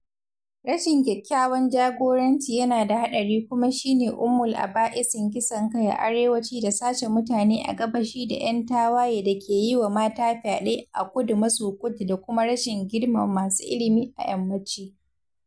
Rashin Kyakkyawan Jagoranci yana da haɗari kuma shi ne ummul-aba'isin kisan kai a arewaci da sace mutane a gabashi da ‘yan tawaye da ke yi wa mata fyaɗe a Kudu maso Kudu da kuma rashin girmama masu ilimi a yammaci.